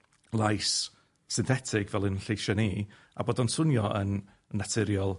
lais synthetic fel 'yn lleisia' ni a bod o'n swnio yn naturiol